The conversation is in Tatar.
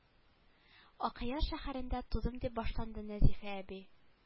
Акъяр шәһәрендә тудым дип башланды нәзифә әби